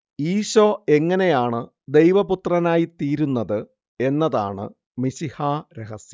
ഈശോ എങ്ങനെയാണ് ദൈവപുത്രനായി തീരുന്നത് എന്നതാണ് മിശിഹാരഹസ്യം